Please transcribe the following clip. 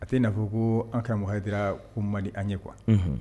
A tɛ'i'a fɔ ko an karamɔgɔhadu ko mali an ye kuwa